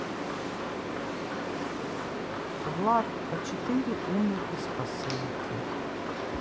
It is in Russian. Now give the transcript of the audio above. влад а четыре умер из посылки